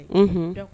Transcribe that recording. Unhun